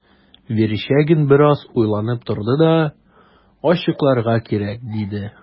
Верещагин бераз уйланып торды да: – Ачыкларга кирәк,– диде.